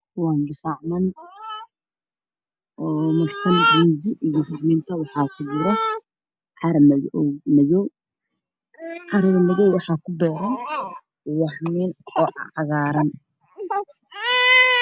Waa gasacman oo ku beeran ubaxyo geedo oo waaweyn midabkoodii yihiin guduud cagaar qaxwi darbi ayaa ka dambeeya